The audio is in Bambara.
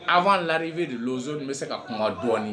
A'an labi de de bɛ se ka kuma dɔɔninɔni